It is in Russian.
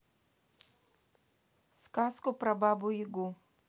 сказку про бабу ягу